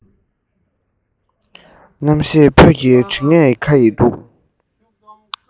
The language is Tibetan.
རྣམ ཤེས ལ སྤོས ཀྱི དྲི ངད ཁ ཡི འདུག